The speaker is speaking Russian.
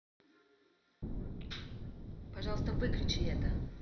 пожалуйста выключи это